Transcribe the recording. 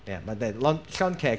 ia deud lond... llond ceg,